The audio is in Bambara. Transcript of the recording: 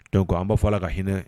Dɔw an' fɔ a la ka hinɛinɛ